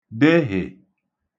dehè